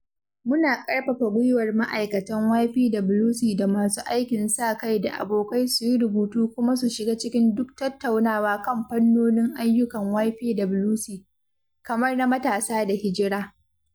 Muna karfafa gwiwar ma’aikatan YPWC da masu aikin sa-kai da abokai su yi rubutu kuma su shiga cikin duk tattaunawa kan fannonin ayyukan YPWC, kamar na matasa da hijira.